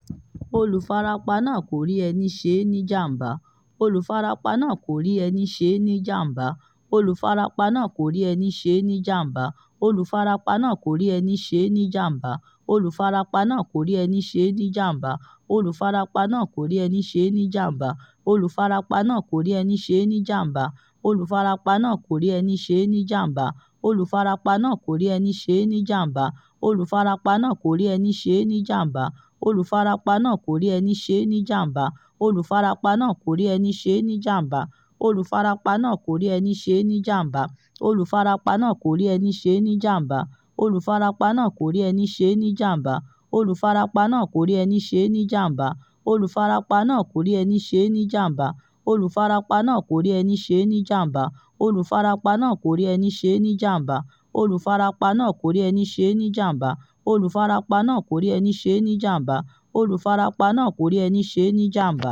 Olùfarapa náà kò rí ẹni ṣé ní jàmbá.